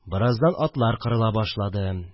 Бераздан атлар кырыла башлады